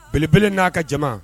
Belebele n'a ka jama